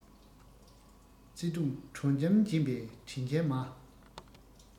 བརྩེ དུང དྲོད འཇམ སྦྱིན པའི དྲིན ཅན མ